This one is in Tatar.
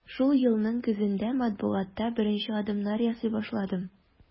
Шул елның көзендә матбугатта беренче адымнар ясый башладым.